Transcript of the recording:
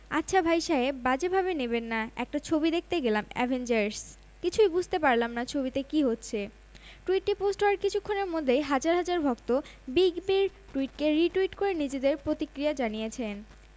সিদ্দিকীসহ অন্যরা কান উৎসবে নিজের উপস্থিতি ভক্তদের জানান দিতে নিজের ইনস্টাগ্রাম অ্যাকাউন্টে একটি ছবি পোস্ট করেন ৪৩ বছর বয়সী তারকা নওয়াজুদ্দিন কানে আঁ সারতে রিগার বিভাগে ছবিটি নির্বাচিত হয়েছে